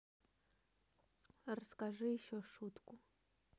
расскажи еще шутку